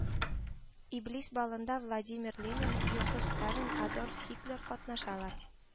Иблис балында Владимир Ленин, Иосиф Сталин, Адольф Һитлер катнашалар